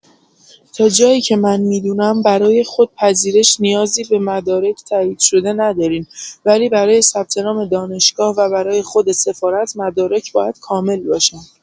تا جایی که من می‌دونم برای خود پذیرش نیازی به مدارک تایید شده ندارین ولی برای ثبت‌نام دانشگاه و برای خود سفارت مدارک باید کامل باشن.